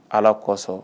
Ala kosɔn